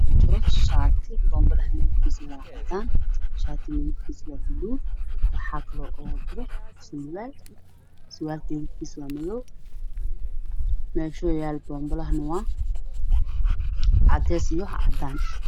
Halkaan waxaa ka muuqdo shaati cadays iyo buluug iskugu jiro waxa uuna ku dhex jiraa shaatiga boombale haaf ah iyo surwaal madaw ah